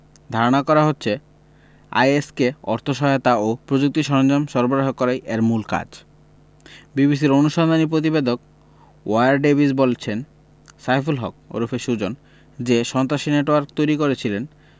ধারণা করা হচ্ছে আইএস কে অর্থ সহায়তা ও প্রযুক্তি সরঞ্জাম সরবরাহ করাই এর মূল কাজ বিবিসির অনুসন্ধানী পতিবেদক ওয়্যার ডেভিস বলছেন সাইফুল হক সুজন যে সন্ত্রাসী নেটওয়ার্ক তৈরি করেছিলেন